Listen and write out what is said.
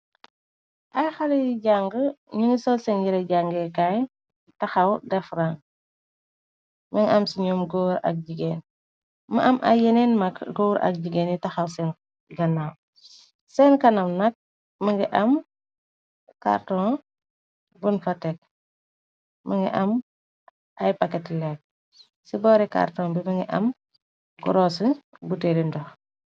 Ay haley yi jàng nungi sol senn yiré jangeekaay tahaw def rang. Mungi am ci noom gòor ak jigeen mu am ay yenen mag gòor ak jigeen yu tahaw senn ganaaw. Senn kanam nak mungi am carton bun fa tekk mungi am ay pakèt lekk, ci bori carton bi mungi am gorusu buteel li ndoh.